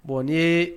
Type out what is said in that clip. Bon ni